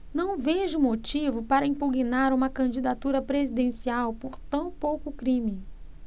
não vejo motivo para impugnar uma candidatura presidencial por tão pouco crime